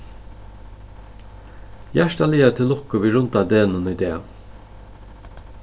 hjartaliga til lukku við runda degnum í dag